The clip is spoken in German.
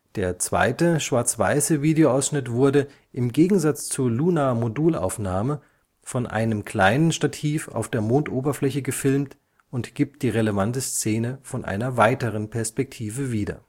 Der zweite schwarzweiße Videoausschnitt wurde, im Gegensatz zur Lunar-Modul-Aufnahme, von einem kleinen Stativ auf der Mondoberfläche gefilmt und gibt die relevante Szene von einer weiteren Perspektive wieder